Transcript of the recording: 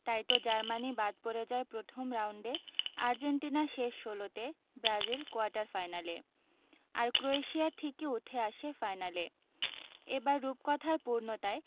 তাইতো জার্মানি বাদ পড়ে যায় প্রথম রাউন্ডে আর্জেন্টিনা শেষ ষোলোতে ব্রাজিল কোয়ার্টার ফাইনালে আর ক্রোয়েশিয়া ঠিকই উঠে আসে ফাইনালে এবার রূপকথার পূর্ণতায়